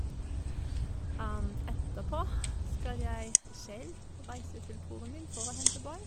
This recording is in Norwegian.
Etterpå skal jeg selv reise til broren min for å hente barn.